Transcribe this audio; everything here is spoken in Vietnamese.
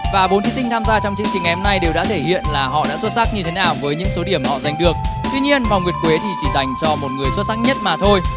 và bốn thí sinh tham gia trong chương trình ngày hôm nay đều đã thể hiện là họ đã xuất sắc như thế nào với những số điểm họ giành được tuy nhiên vòng nguyệt quế thì chỉ dành cho một người xuất sắc nhất mà thôi